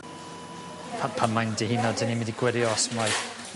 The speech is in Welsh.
Pa- pan mae'n dihuno 'dyn ni'n mynd i gwirio os mai